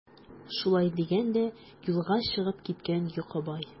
Шулай дигән дә юлга чыгып киткән Йокыбай.